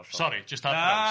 ...ia sori jyst ...